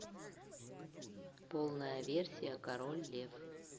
полная версия король лев